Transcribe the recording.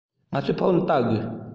ང ཚོས ཕུགས ནས བལྟ དགོས